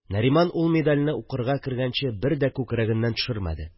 Нариман ул медальне укырга кергәнче бер дә күкрәгеннән төшермәде.